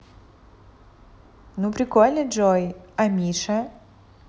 ну прикольно джой а миша